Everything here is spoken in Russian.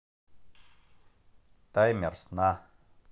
таймер сна